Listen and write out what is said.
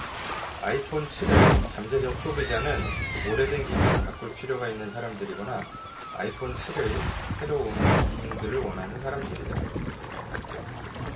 아이폰 칠 의 잠재적 소비자는 오래된 기기를 바꿀 필요가 있는 사람들이거나 아이폰 칠 의 새로운 기능들을 원하는 사람들이다